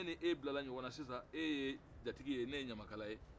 ne n'e bilala ɲɔgɔn na sisan e ye jatigi ye ne ye ɲamakala ye